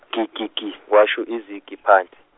gi gi gi kwasho izigi phandle.